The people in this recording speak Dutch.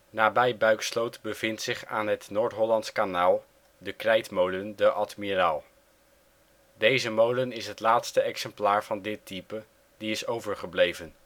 Nabij Buiksloot bevindt zich aan het Noordhollands Kanaal de krijtmolen De Admiraal. Deze molen is het laatste exemplaar van dit type die is overgebleven